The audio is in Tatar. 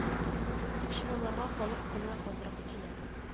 Тик чараларга халык кына азрак килә